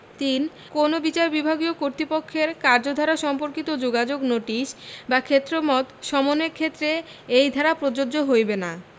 ৩ কোন বিচার বিভাগীয় কর্তৃপক্ষের কার্যধারা সম্পর্কিত যোগাযোগ নোটিশ বা ক্ষেত্রমত সমনের ক্ষেত্রে এই ধারা প্রযোজ্য হইবে না